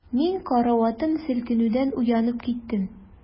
Мин караватым селкенүдән уянып киттем.